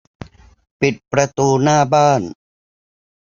ปิดประตูหน้าบ้าน